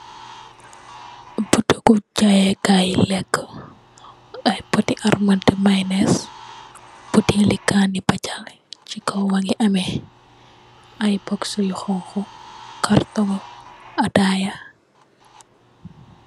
Ab butugu jaayekaay lekk. Ay poti armanti mayonnaise, buteel li kanè pachal. Ci kaw wa ngi emeh ay box su yu honku, carton ataya.